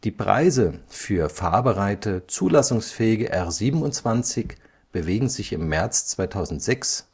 Preise für fahrbereite zulassungsfähige R 27 bewegen sich bei 3.500 Euro (3/2006